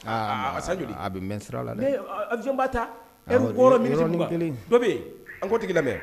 Aa a san joli ? A bi mɛ sira la dɛ. Avion ba ta heures 6 minutes 20 yɔrɔnin kelen .dɔ be yen an ko tigi lamɛn.